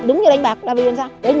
đúng như đánh bạc là vì làm sao đấy